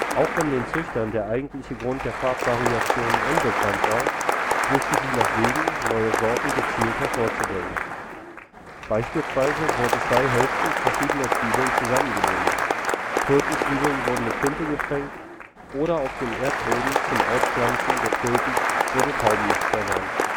Auch wenn den Züchtern der eigentliche Grund der Farbvariationen unbekannt war, suchten sie nach Wegen, neue Sorten gezielt hervorzubringen. Beispielsweise wurden zwei Hälften verschiedener Zwiebeln zusammengebunden, Tulpenzwiebeln wurden mit Tinte getränkt, oder auf dem Erdboden zum Auspflanzen der Tulpen wurde Taubenmist verbrannt